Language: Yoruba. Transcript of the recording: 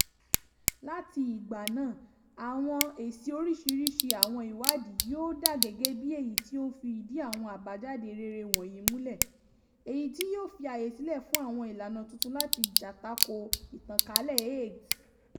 Láti ìgbà náà, àwọn èsì oríṣiríṣi àwọn ìwádìí yóò dà gẹ́gẹ́ bíi èyí tí ó ń fi ìdí àwọn àbájáde rere wọ̀nyí múlẹ̀, èyí tí yóò fi àyè sílẹ̀ fún àwọn ìlànà tuntun láti jà tako ìtànkálẹ̀ AIDS.